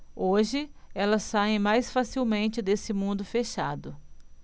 hoje elas saem mais facilmente desse mundo fechado